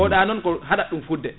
oɗa noon ko haɗata ɗum fudde